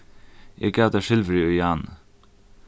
eg gav tær silvurið í áðni